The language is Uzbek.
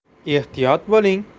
ehtiyot bo'ling